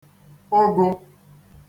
ụgụ